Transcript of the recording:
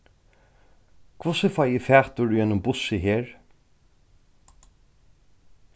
hvussu fái eg fatur í einum bussi her